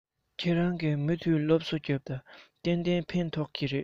ཁྱེད རང གིས མུ མཐུད སློབ གསོ རྒྱོབས དང གཏན གཏན ཕན ཐོགས ཀྱི རེད